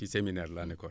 ci séminaire laa nekkoon